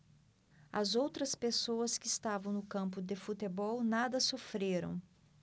as outras pessoas que estavam no campo de futebol nada sofreram